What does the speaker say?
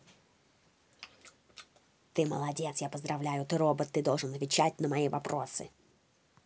ты молодец я поздравляю ты робот ты должен отвечать на мои вопросы